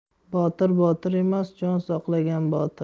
botir botir emas jon saqlagan botir